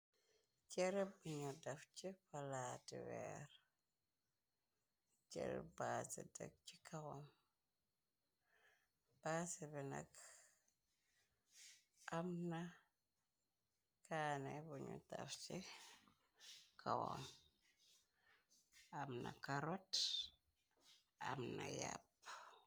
Chereh biñu daf ci palaati weer chereh baase tëk ci kawam baase bi nak am na kaane buñu taf ci kawam amna karot amna yappe.